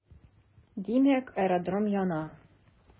Димәк, аэродром яна.